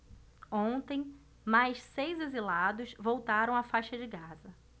ontem mais seis exilados voltaram à faixa de gaza